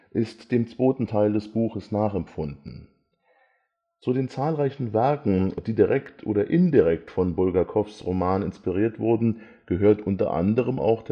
ist dem zweiten Teil des Buches nachempfunden. Zu den zahlreichen Werken, die direkt oder indirekt von Bulgakows Roman inspiriert wurden, gehört unter anderem auch